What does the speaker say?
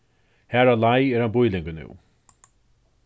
har á leið er ein býlingur nú